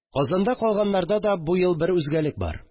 Казанда калганнарда да бу ел бер үзгәлек бар